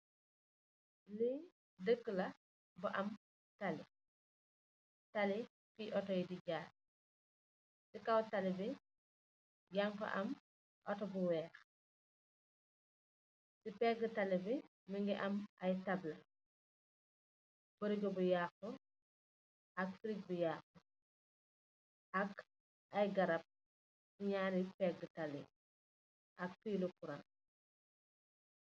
Lii dëkë la, bu am tali, tali bu otto yi di jaar. Si kow tali bi, yaang fi am otto bu weex, ci peegë tali bi, mu ngi am ay tabla, bërigo bu yaaxu ak firige bu yaaxu ak ay garab si ñaari peegë tali ak fiili kuraa.